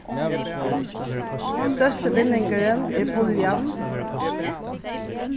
størsti vinningurin er puljan